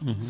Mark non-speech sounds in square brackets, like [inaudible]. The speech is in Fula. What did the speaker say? [hesitation] [hesitation]